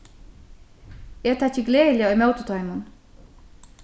eg taki gleðiliga ímóti teimum